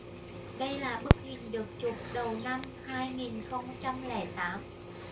đây là bức hình được chụp đầu năm hai nghìn không trăm lẻ tám